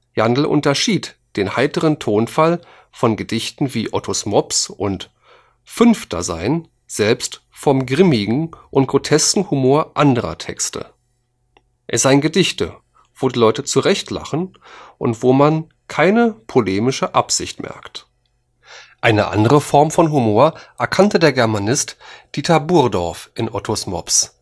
Jandl unterschied den heiteren Tonfall von Gedichten wie ottos mops und fünfter sein selbst vom „ grimmigen “und „ grotesken “Humor anderer Texte. Es seien Gedichte, „ wo die Leute zu Recht lachen und wo man keine polemische Absicht merkt. “Eine andere Form von Humor erkannte der Germanist Dieter Burdorf in ottos mops